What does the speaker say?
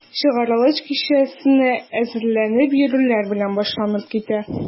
Чыгарылыш кичәсенә әзерләнеп йөрүләре белән башланып китә.